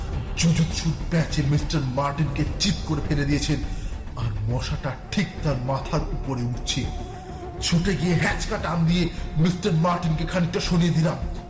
যুযুৎসুর প্যাচে মিস্টার মার্টিনকে চিত করে ফেলে দিয়েছেন আর মশা টা ঠিক তার মাথার কাছে উড়ছে ছুটে গিয়ে হ্যাচকা টান দিয়ে মিস্টার মার্টিন খানিকটা সরিয়ে দিলাম